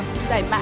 giải mã